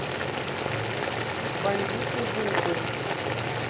бандиты бубы